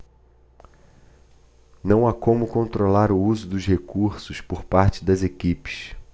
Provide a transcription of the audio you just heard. não há como controlar o uso dos recursos por parte das equipes